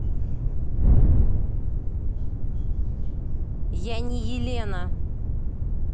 я не елена